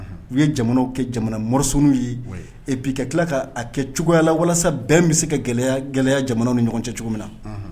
U ye jamana kɛ jamana moris ye bi kɛ tila ka a kɛ cogoyaya la walasa bɛn bɛ se ka gɛlɛya gɛlɛya jamana ni ɲɔgɔn cɛ cogo min na